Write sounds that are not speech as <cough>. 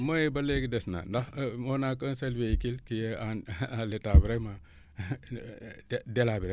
moyens yi ba léegi des na ndax <hesitation> on a un seul véhicule qui est en <laughs> à l' état vraiment <laughs> <hesitation> délabré